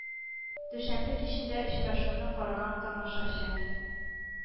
Дүшәмбе кичендә очрашуны караган тамашачы